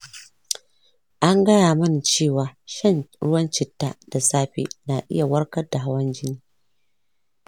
an gaya mini cewa shan ruwan citta da safe na iya warkar da hawan jini.